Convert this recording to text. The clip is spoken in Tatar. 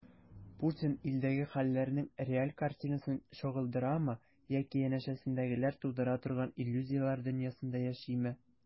Путин илдәге хәлләрнең реаль картинасын чагылдырамы яки янәшәсендәгеләр тудыра торган иллюзияләр дөньясында яшиме?